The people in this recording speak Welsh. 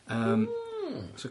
Yym. Hmm.